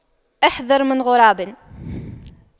أحذر من غراب